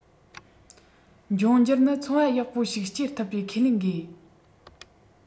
འབྱུང འགྱུར ནི འཚོ བ ཡག པོ ཞིག སྐྱེལ ཐུབ པའི ཁས ལེན དགོས